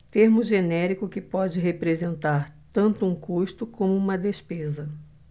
termo genérico que pode representar tanto um custo como uma despesa